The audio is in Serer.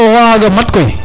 oxaga mat koy